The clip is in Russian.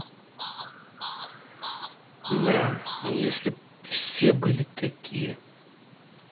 да если бы все были такие